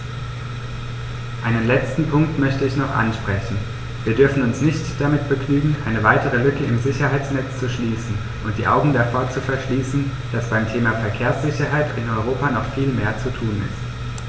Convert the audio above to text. Einen letzten Punkt möchte ich noch ansprechen: Wir dürfen uns nicht damit begnügen, eine weitere Lücke im Sicherheitsnetz zu schließen und die Augen davor zu verschließen, dass beim Thema Verkehrssicherheit in Europa noch viel mehr zu tun ist.